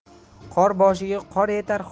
qor boshiga qor yetar